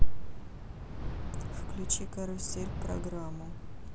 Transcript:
включить карусель программу